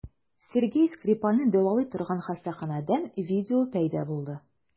Сергей Скрипальне дәвалый торган хастаханәдән видео пәйда булды.